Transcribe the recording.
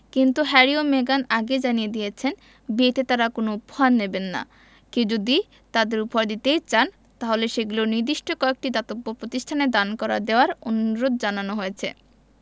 কিন্তু হ্যারি ও মেগান আগেই জানিয়ে দিয়েছেন বিয়েতে তাঁরা কোনো উপহার নেবেন না কেউ যদি তাঁদের উপহার দিতেই চান তাহলে সেগুলো নির্দিষ্ট কয়েকটি দাতব্য প্রতিষ্ঠানে দান করে দেওয়ার অনুরোধ জানানো হয়েছে